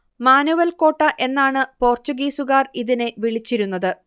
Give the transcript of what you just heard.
manual കോട്ട എന്നാണ് പോർച്ചുഗീസുകാർ ഇതിനെ വിളിച്ചിരുന്നത്